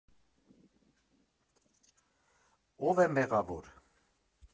Ո՞վ է մեղավոր։